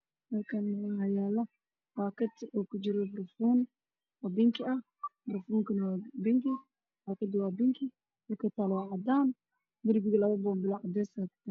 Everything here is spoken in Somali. Waa barfuun midabkiisa ama cadaan pinki